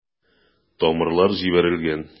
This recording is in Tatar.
Тамырлар җибәрелгән.